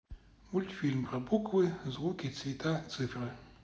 мультфильм про буквы звуки цвета цифры